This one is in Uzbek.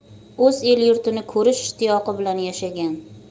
o'z el yurtini ko'rish ishtiyoqi bilan yashagan